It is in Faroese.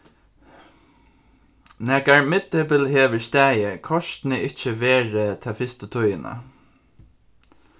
nakar miðdepil hevur staðið kortini ikki verið ta fyrstu tíðina